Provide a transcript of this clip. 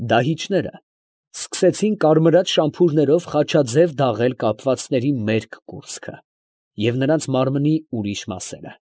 Դահիճները սկսեցին կարմրած շամփուրներով խաչաձև դաղել կապվածների մերկ կուրծքը և նրանց մարմինի ուրիշ մասերը։